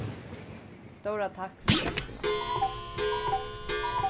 stóra takk fyri hjálpina